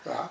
waaw